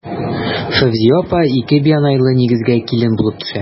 Фәүзия апа ике бианайлы нигезгә килен булып төшә.